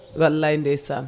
wallay ndeysan